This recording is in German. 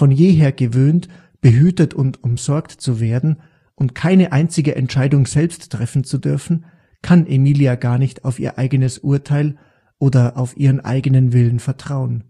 jeher gewöhnt, behütet und umsorgt zu werden und keine einzige Entscheidung selbst treffen zu dürfen, kann Emilia gar nicht auf ihr eigenes Urteil oder auf ihren eigenen Willen vertrauen